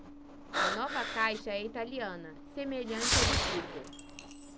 a nova caixa é italiana semelhante à do tipo